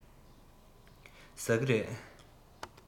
ཟ ཀི རེད